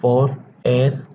โฟธเอซ